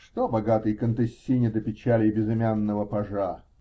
-- Что богатой контессине до печалей безымянного пажа?.